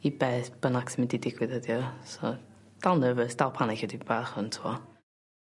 i beth bynnac sy mynd i digwydd ydi o so dal nervous dal panic chlydig bach on t'wo.